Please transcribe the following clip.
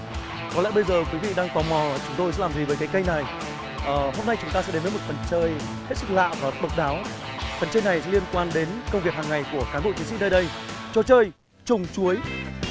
có lẽ bây giờ quý vị đang tò mò chúng tôi sẽ làm gì với cái cây này ờ hôm nay chúng ta sẽ đến với một phần chơi hết sức lạ và độc đáo phần chơi này liên quan đến công việc hằng ngày của cán bộ chiến sĩ nơi đây trò chơi chùng chuối